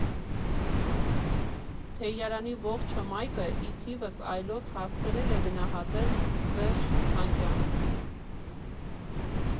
Թեյարանի ողջ հմայքը ի թիվս այլոց հասցրել է գնահատել Սերժ Թանգյանը.